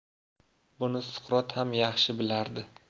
buni suqrot ham yaxshi bilardi